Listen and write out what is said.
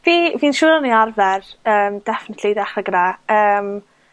Fi fi'n siŵr o'n i arfer yym definatelly i ddechre gyda. Yym.